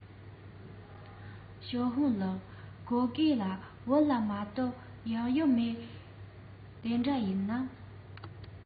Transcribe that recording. ཞའོ ཧྥུང ལགས གོ ཐོས ལ བོད ལ མ གཏོགས གཡག ཡོད མ རེད ཟེར གྱིས དེ འདྲ ཡིན ན